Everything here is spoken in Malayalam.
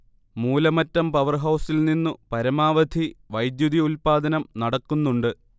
മൂലമറ്റം പവർഹൗസിൽ നിന്നു പരമാവധി വൈദ്യുതി ഉൽപാദനം നടക്കുന്നുണ്ട്